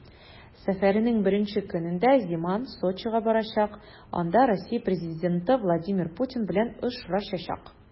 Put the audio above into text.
Сәфәренең беренче көнендә Земан Сочига барачак, анда Россия президенты Владимир Путин белән очрашачак.